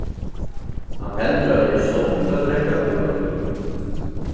hann heldur at tað er sunt at drekka øl